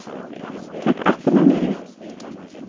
tak appina niður